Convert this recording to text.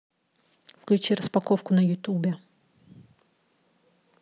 включи распаковку на ютубе